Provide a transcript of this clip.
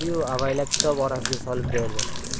oldi yu avaylab kitob orasiga solib berdi